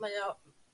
mae o